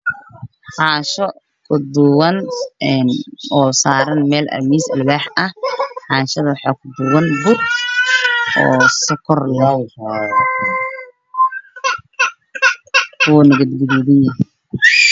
Waa gartaan waxaa saaran bur dafkiisu yahay gadood waxaa ka hooseeya miiskaallo